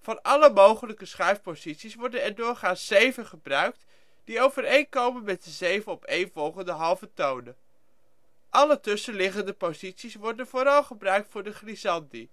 Van alle mogelijke schuifposities worden er doorgaans 7 gebruikt die overeen komen met 7 opeenvolgende halve tonen. Alle tussenliggende posities worden vooral gebruikt voor glissandi